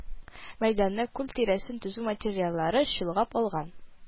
Мәйданны, күл тирәсен төзү материаллары чолгап алган